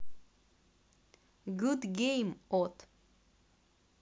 good game от